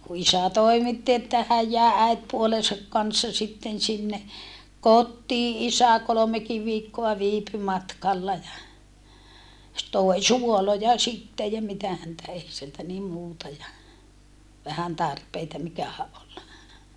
kun isä toimitti että hän jäi äitipuolensa kanssa sitten sinne kotiin isä kolmekin viikkoa viipyi matkalla ja se toi suoloja sitten ja mitä häntä ei sieltä niin muuta ja vähän tarpeita mikähän oli